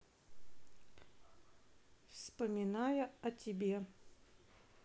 вспоминая о тебе